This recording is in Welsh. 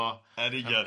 Yn union.